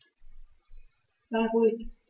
Sei ruhig.